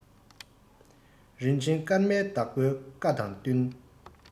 རིན ཆེན སྐར མའི བདག པོའི བཀའ དང བསྟུན